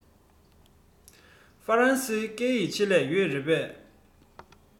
ཧྥ རན སིའི སྐད ཡིག ཆེད ལས ཡོད རེད པས